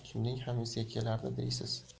kimning ham esiga kelardi deysiz